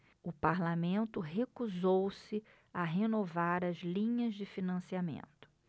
o parlamento recusou-se a renovar as linhas de financiamento